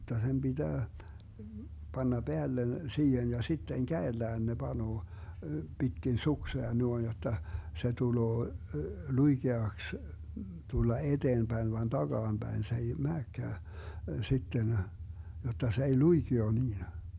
jotta sen pitää panna päälle siihen ja sitten kädellään ne panee pitkin suksea noin jotta se tulee luikeaksi tulla eteenpäin vaan takaapäin se ei menekään sitten jotta se ei luikea niin